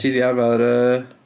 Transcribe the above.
Ti 'di arfer, yy...